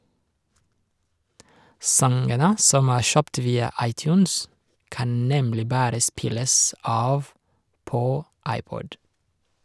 Sangene som er kjøpt via iTunes, kan nemlig bare spilles av på iPod.